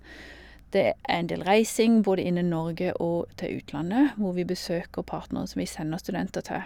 Det er en del reising, både innen Norge og til utlandet, hvor vi besøker partnere som vi sender studenter til.